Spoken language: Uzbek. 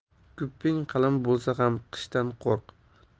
gupping qalin bo'lsa ham qishdan qo'rq